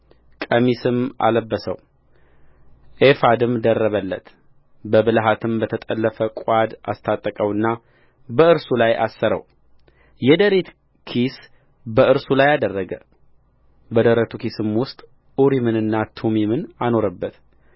ቀሚስም አለበሰው ኤፉድም ደረበለት በብልሃትም በተጠለፈ ቋድ አስታጠቀውና በእርሱ ላይ አሰረውየደረት ኪስ በእርሱ ላይ አደረገ በደረቱ ኪስም ውስጥ ኡሪምንና ቱሚምን አኖረበት